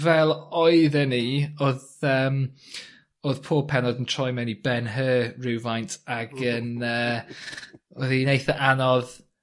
fel oedden ni odd yym odd pob pennod yn troi mewn i Ben-Hur rywfaint ag yn yy, odd hi'n eitha anodd